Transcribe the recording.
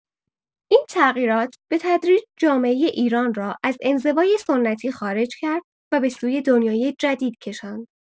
این تغییرات به‌تدریج جامعه ایران را از انزوای سنتی خارج کرد و به سوی دنیای جدید کشاند.